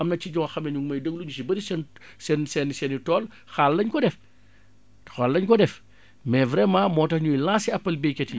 am na ci ñoo xam ne ñu ngi may déglu ñu si bari seen seen seen seen i tool xaal lañ ko def xaal lañ ko def mais vraiment moo tax ñuy lancer appel baykat yi